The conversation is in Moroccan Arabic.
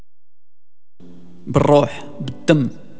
بالروح بالدم